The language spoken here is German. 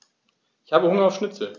Ich habe Hunger auf Schnitzel.